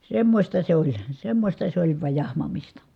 semmoista se oli semmoista se oli vain jahmamista